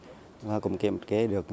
và cũng kiểm kê được